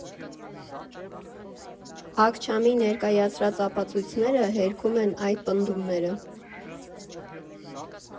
Աքչամի ներկայացրած ապացույցները հերքում են այդ պնդումները։